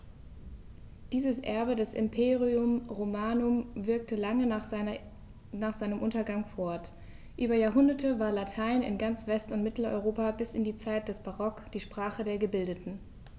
Dieses Erbe des Imperium Romanum wirkte lange nach seinem Untergang fort: Über Jahrhunderte war Latein in ganz West- und Mitteleuropa bis in die Zeit des Barock die Sprache der Gebildeten.